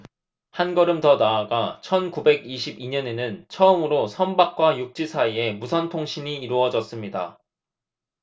한 걸음 더 나아가 천 구백 이십 이 년에는 처음으로 선박과 육지 사이에 무선 통신이 이루어졌습니다